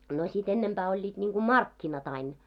no sitten ennempää olivat niin kuin markkinat aina